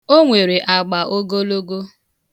O nwere agba ogologo.